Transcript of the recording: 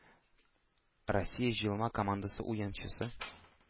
Россия җыелма командасы уенчысы,